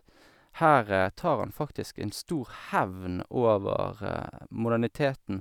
Her tar han faktisk en stor hevn over moderniteten.